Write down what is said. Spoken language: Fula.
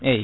eyyi